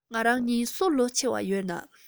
ང རང གཉིས སུ ལོ ཆེ བ ཡོད ན